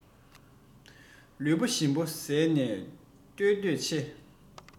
ལུས པོ ཞིམ པོ བཟས ནས སྡོད འདོད ཆེ